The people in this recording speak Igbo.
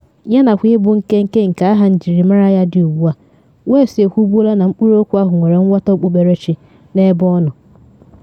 Yanakwa ịbụ nkenke nke aha njirimara ya dị ugbu a, West ekwubuola na mkpụrụokwu ahụ nwere nghọta okpukperechi n’ebe ọ nọ.